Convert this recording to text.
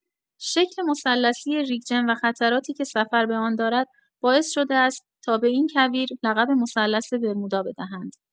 شکل مثلثی ریگ جن و خطراتی که سفر به آن دارد باعث شده است تا به این کویر لقب مثلث برمودا بدهند.